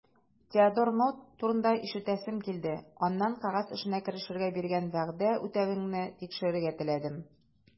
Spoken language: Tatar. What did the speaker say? Теодор Нотт турында ишетәсем килде, аннан кәгазь эшенә керешергә биргән вәгъдә үтәвеңне тикшерергә теләдем.